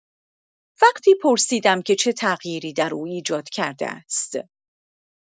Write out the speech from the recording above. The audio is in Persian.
وقتی پرسیدم که چه تغییری در او ایجاد کرده است.